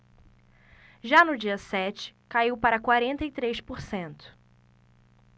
já no dia sete caiu para quarenta e três por cento